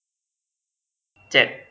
เจ็ด